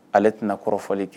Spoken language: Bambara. Ale tɛna kɔrɔfɔfɔli kɛ